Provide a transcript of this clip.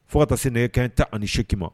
Fo kata se nɛgɛ kanɲɛ 18H man.